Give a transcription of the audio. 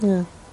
Ia.